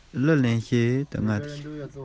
གསུམ པོ རེ རེ བཞིན ཞིབ ལྟ བྱས